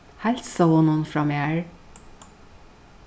heilsa honum frá mær